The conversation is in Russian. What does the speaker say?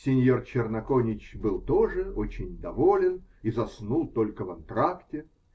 Синьор Черноконич был тоже очень доволен и заснул только в антракте.